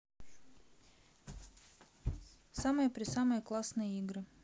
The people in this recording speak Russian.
самые при самые классные игры